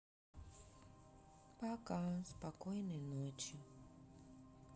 пока спокойной ночи